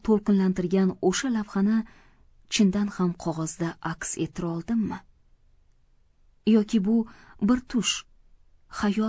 to'lqinlantirgan o'sha lavhani chindan ham qog'ozda aks ettira oldimmi yoki bu bir tush xayolmi